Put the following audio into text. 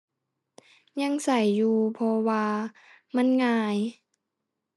ยังใช้อยู่ เพราะว่ามันง่าย